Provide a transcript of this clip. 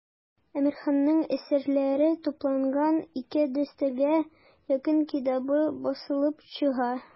Әмирханның әсәрләре тупланган ике дистәгә якын китабы басылып чыга.